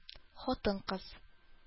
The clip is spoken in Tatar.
Хатын-кыз